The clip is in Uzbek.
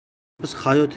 biz hayot hech qachon bir